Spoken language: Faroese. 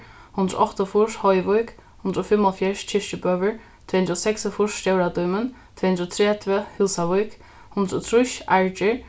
hundrað og áttaogfýrs hoyvík hundrað og fimmoghálvfjerðs kirkjubøur tvey hundrað og seksogfýrs stóra dímun tvey hundrað og tretivu húsavík hundrað og trýss argir